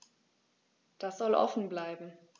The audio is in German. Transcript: Das soll offen bleiben.